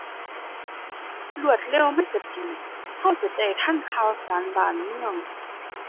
รวดเร็วมันก็ดี ก็จะได้ทันข่าวสารบ้านเมือง